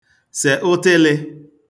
sè ụtịlị̄